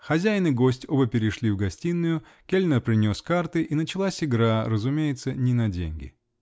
Хозяин и гость, оба перешли в гостиную, кельнер принес карты -- и началась игра, разумеется, не на деньги.